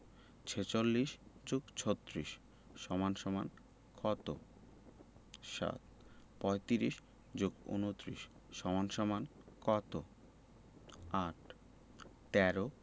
৪৬ + ৩৬ = কত ৭ ৩৫ + ২৯ = কত ৮ ১৩